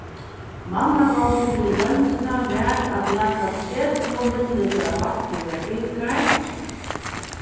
mannagongdin fyri royndina var at lata tretivu millilitrar av vatni í eitt bikar